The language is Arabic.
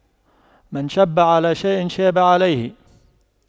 من شَبَّ على شيء شاب عليه